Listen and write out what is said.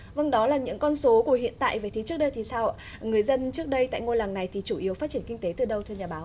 vâng đó là những con số của hiện tại về thì trước đây thì sao ạ người dân trước đây tại ngôi làng này thì chủ yếu phát triển kinh tế từ đầu thưa nhà báo